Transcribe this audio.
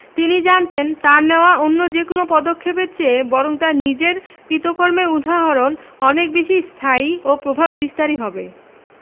তিনি জানতেন তাঁর নেওয়া অন্য যেকোনো পদক্ষেপের চেয়ে বরং তাঁর নিজের কৃতকর্মের উদাহরণ অনেক বেশি স্থায়ী ও প্রভাববিস্তারী হবে